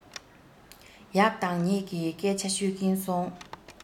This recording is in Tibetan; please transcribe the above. ཡག དང ཉེས ཀྱི སྐད ཆ ཤོད ཀྱིན སོང